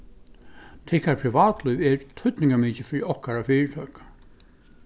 tykkara privatlív er týdningarmikið fyri okkara fyritøku